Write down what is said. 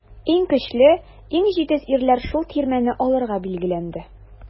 Иң көчле, иң җитез ирләр шул тирмәне алырга билгеләнде.